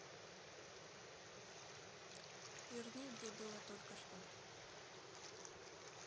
верни где было только что